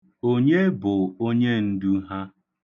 Onye bụ onyendu ha?